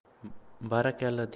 barakalla deydi ermon